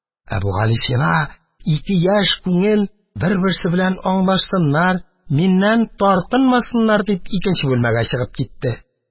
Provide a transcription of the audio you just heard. Әбүгалисина, ике яшь күңел бер-берсе белән аңлашсыннар, миннән тартынмасыннар дип, икенче бүлмәгә чыгып китте.